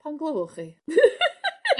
Pan gwylwch chi <chwerthin.